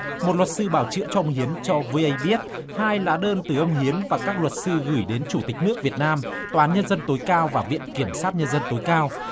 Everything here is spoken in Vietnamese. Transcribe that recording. một luật sư bào chữa cho ông hiến cho vi ây biết hai lá đơn từ ông hiến và các luật sư gửi đến chủ tịch nước việt nam tòa án nhân dân tối cao và viện kiểm sát nhân dân tối cao